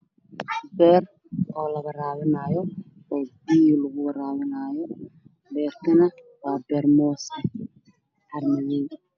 Beer oo la oo biyo lagu warabinayo waraabinaayo baartana waa beeer mosa cara madoow ah